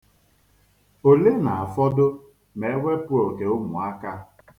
Ole na-afọdụ ma ewepụ òkè ụmụaka.